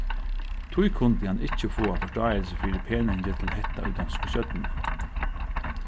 tí kundi hann ikki fáa forstáilsi fyri peningi til hetta í donsku stjórnini